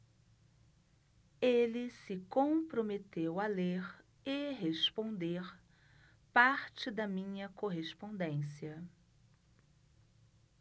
ele se comprometeu a ler e responder parte da minha correspondência